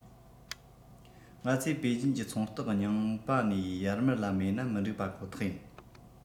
ང ཚོས པེ ཅིན གྱི ཚོང རྟགས རྙིང པ ནས ཡར མར ལ མེད ན མི འགྲིག པ ཁོ ཐག ཡིན